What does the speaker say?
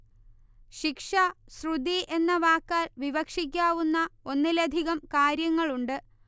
ശിക്ഷ, ശ്രുതി എന്ന വാക്കാൽ വിവക്ഷിക്കാവുന്ന ഒന്നിലധികം കാര്യങ്ങളുണ്ട്